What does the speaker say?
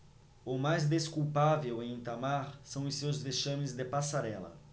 o mais desculpável em itamar são os seus vexames de passarela